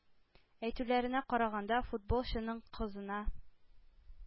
Әйтүләренә караганда, футболчының кызына